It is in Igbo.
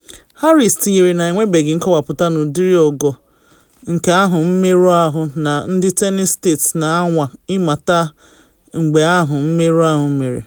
Harris tinyere na “enwebeghị nkọwapụta n’ụdịrị/ogo nke ahụ mmerụ ahụ” na ndị Tennessee State na anwa ịmata mgbe ahụ mmerụ ahụ mere.